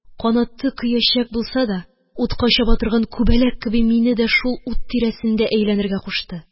Канаты көячәк булса да, утка чаба торган күбәләк кебек, мине дә шул ут тирәсендә әйләнергә кушты